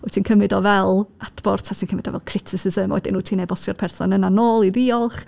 Wyt ti'n cymryd o fel adborth ta ti'n cymryd o fel criticism a wedyn wyt ti'n e-bostio'r person yna nôl i ddiolch?